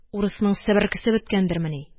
Урысның себеркесе беткәндермени